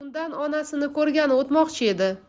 undan onasini ko'rgani o'tmoqchi edi